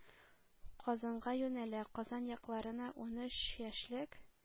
Казанга юнәлә, «Казан якларына унөч яшьлек